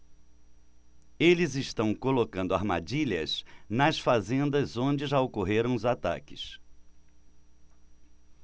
eles estão colocando armadilhas nas fazendas onde já ocorreram os ataques